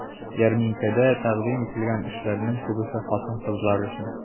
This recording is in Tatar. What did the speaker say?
Ярминкәдә тәкъдим ителгән эшләрнең күбесе хатын-кызлар өчен.